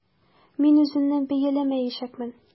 Мин үземне бәяләмәячәкмен.